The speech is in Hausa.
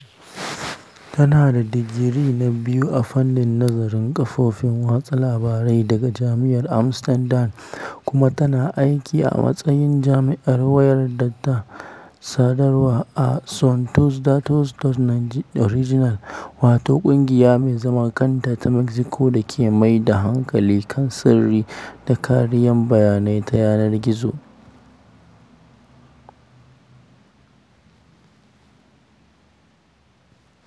Tana da digiri na biyu a Fannin Nazarin Kafofin Watsa Labarai daga Jami’ar Amsterdam kuma tana aiki a matsayin jami’ar wayar da kai da sadarwa a SonTusDatos.org, wata ƙungiya mai zaman kanta ta Mexico da ke mai da hankali kan sirri da kariyar bayanai ta yanar gizo.